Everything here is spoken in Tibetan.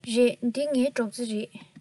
རེད འདི ངའི སྒྲོག རྩེ རེད